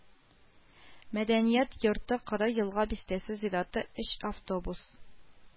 Мәдәният йорты коры елга бистәсе зираты өч автобус